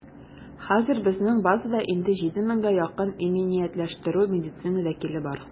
Хәзер безнең базада инде 7 меңгә якын иминиятләштерүче медицина вәкиле бар.